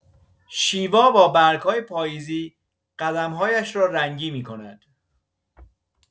شیوا با برگ‌های پاییزی قدم‌هایش را رنگی می‌کند.